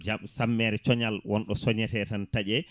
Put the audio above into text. jaab sammere coñal wonɗo coñete tan taaƴe